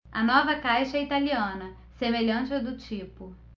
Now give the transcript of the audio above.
a nova caixa é italiana semelhante à do tipo